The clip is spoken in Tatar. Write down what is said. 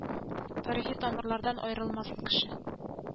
Тарихи тамырлардан аерылмасын кеше